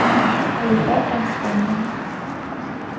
поезда трансформеры